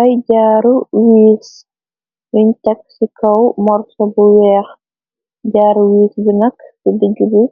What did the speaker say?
Ay jaaru wiis wiñ tag ci kaw morsa bu weex jaaru. Wiis bi nak ti digg bi